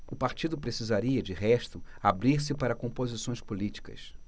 o partido precisaria de resto abrir-se para composições políticas